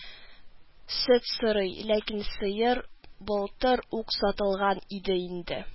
Сөт сорый, ләкин сыер былтыр ук сатылган иде инде